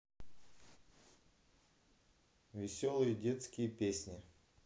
веселые детские песни